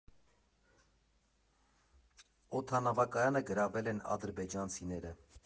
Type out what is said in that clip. Օդանավակայանը գրավել են ադրբեջանցիները։